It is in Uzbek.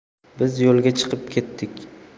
biz yo'lga chiqib ketdik